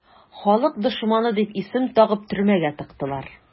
"халык дошманы" дип исем тагып төрмәгә тыктылар.